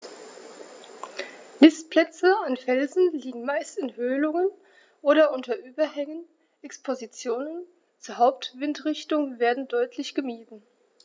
Nistplätze an Felsen liegen meist in Höhlungen oder unter Überhängen, Expositionen zur Hauptwindrichtung werden deutlich gemieden.